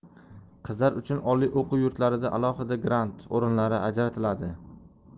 qizlar uchun oliy o'quv yurtlarida alohida grant o'rinlari ajratiladi